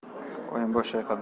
oyim bosh chayqadi